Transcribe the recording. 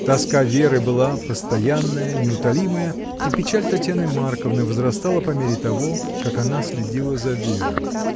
Тоска Веры была постоянная, неутолимая, и печаль Татьяны Марковны возрастала по мере того, как она следила за Верой.